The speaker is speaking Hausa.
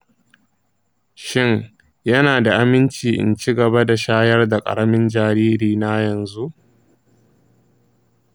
shin yana da aminci in ci gaba da shayar da ƙaramin jaririna yanzu?